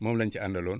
moom la ñu si àndaloon